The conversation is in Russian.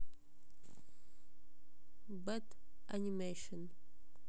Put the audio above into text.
бэд анимейшен